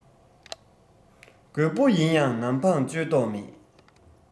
རྒོད པོ ཡིན ཡང ནམ འཕང གཅོད མདོག མེད